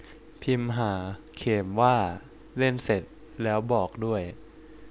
พิมหาเขมว่าเล่นเสร็จแล้วบอกด้วย